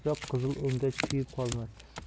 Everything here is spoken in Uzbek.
tursa qizilo'ngach kuyib qolmas